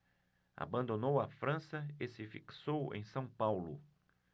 abandonou a frança e se fixou em são paulo